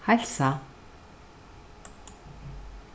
heilsa